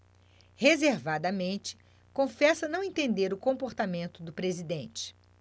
reservadamente confessa não entender o comportamento do presidente